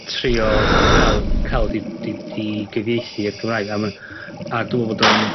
trio ca'l ca'l 'di 'di 'di gyfieithu i'r Gymraeg a ma' nw, a dw 'od fod o'n